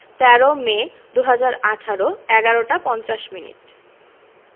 ১৩ May ২০১৮ ১১ টা ৫০ minute